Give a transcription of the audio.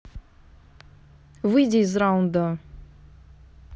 выйди из раунда